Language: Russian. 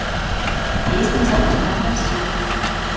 песня запускай на всю